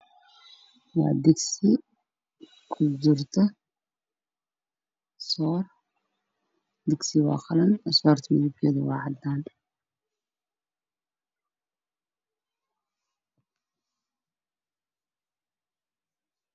Waa digsi waxaa ku jira soor cadaan